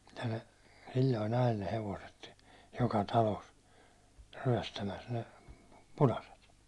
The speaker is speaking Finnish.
ja ne silloin ajeli ne hevoset joka talossa ryöstämässä ne punaiset